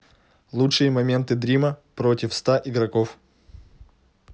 лучшие моменты дрима против ста игроков